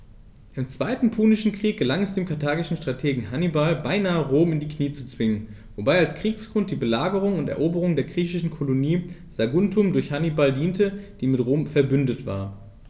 Im Zweiten Punischen Krieg gelang es dem karthagischen Strategen Hannibal beinahe, Rom in die Knie zu zwingen, wobei als Kriegsgrund die Belagerung und Eroberung der griechischen Kolonie Saguntum durch Hannibal diente, die mit Rom „verbündet“ war.